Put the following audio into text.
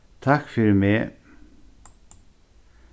takk fyri meg